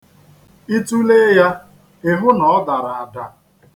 I tulee ya, ị hụ na ọ dara ada.